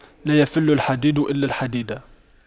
لا يَفُلُّ الحديد إلا الحديد